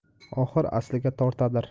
oxir asliga tortadir